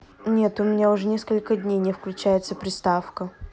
нет у меня уже несколько дней не включается приставка